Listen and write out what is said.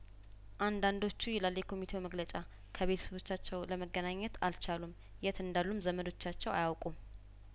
አንዳንዶቹ ይላል የኮሚቴው መግለጫ ከቤተሰቦቻቸው ለመገናኘት አልቻሉም የት እንዳሉም ዘመዶቻቸው አያውቁም